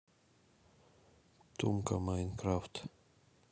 тумка майнкрафт